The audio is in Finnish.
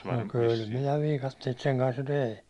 no kyllä minä viikatteita sen kanssa jo tein